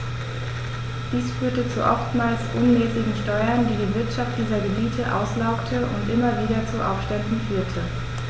Dies führte zu oftmals unmäßigen Steuern, die die Wirtschaft dieser Gebiete auslaugte und immer wieder zu Aufständen führte.